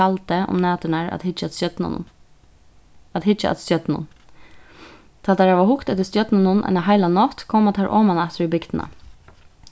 tjaldi um næturnar at hyggja eftir stjørnunum at hyggja at stjørnum tá teir hava hugt eftir stjørnunum eina heila nátt koma teir oman aftur í bygdina